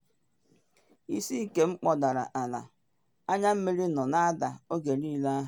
“Isi nke m kpọdara ala, anya mmiri nọ na ada oge niile ahụ.